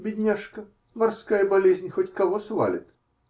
Бедняжка, морская болезнь хоть кого свалит.